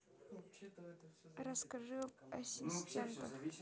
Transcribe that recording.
расскажи об ассистентах